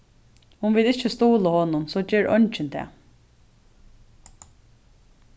um vit ikki stuðla honum so ger eingin tað